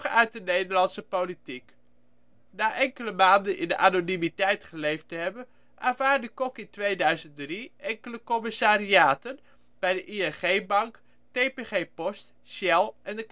uit de Nederlandse politiek. Na enkele maanden in de anonimiteit geleefd te hebben, aanvaarde Kok in 2003 enkele commissariaten, bij de ING Bank, TPG Post, Shell en de